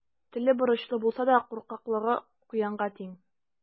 Теле борычлы булса да, куркаклыгы куянга тиң.